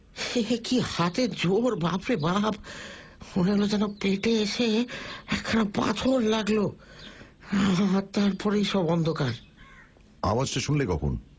সে কী হাতের জোর বাপরে বাপ মনে হল যেন পেটে এসে একখানা পাথর লাগল আর তার পরেই সব অন্ধকার আওয়াজটা শুনলে কখন